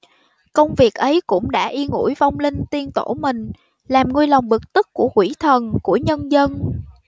công việc ấy cũng đã yên ủi vong linh tiên tổ mình làm nguôi lòng bực tức của quỷ thần của nhân dân